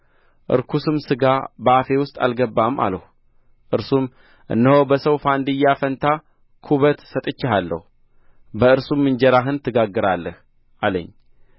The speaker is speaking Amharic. ርኩስም ሥጋ በአፌ ውስጥ አልገባም አልሁ እርሱም እነሆ በሰው ፋንድያ ፋንታ ኩበት ሰጥቼሃለሁ በእርሱም እንጀራህን ትጋግራለህ አለኝ